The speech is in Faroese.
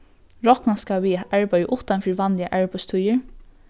roknast skal við at arbeið uttan fyri vanligar arbeiðstíðir